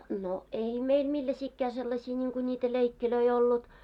no ei meillä millaisiakaan sellaisia niin kuin niitä leikkejä ollut